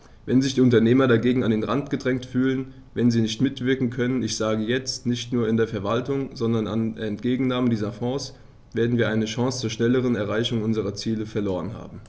Wenn sich die Unternehmer dagegen an den Rand gedrängt fühlen, wenn sie nicht mitwirken können ich sage jetzt, nicht nur an der Verwaltung, sondern an der Entgegennahme dieser Fonds , werden wir eine Chance zur schnelleren Erreichung unserer Ziele verloren haben.